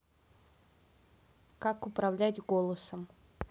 как управлять голосом